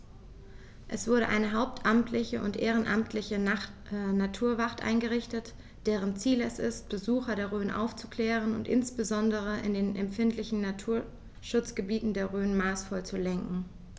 Es wurde eine hauptamtliche und ehrenamtliche Naturwacht eingerichtet, deren Ziel es ist, Besucher der Rhön aufzuklären und insbesondere in den empfindlichen Naturschutzgebieten der Rhön maßvoll zu lenken.